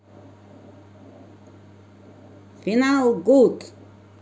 final cut